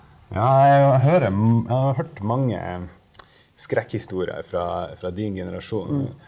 ja jeg hører jeg har hørt mange skrekkhistorier ifra fra din generasjon.